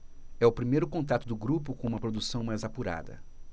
é o primeiro contato do grupo com uma produção mais apurada